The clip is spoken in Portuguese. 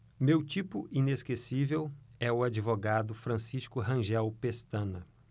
meu tipo inesquecível é o advogado francisco rangel pestana